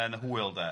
Yn hwyl, de.